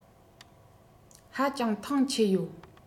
ཧ ཅང ཐང ཆད ཡོད